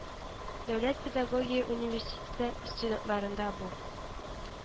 Дәүләт педагогия университеты студентларында бу